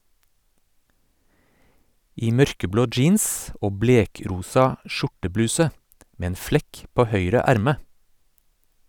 I mørkeblå jeans og blekrosa skjortebluse, med en flekk på høyre erme.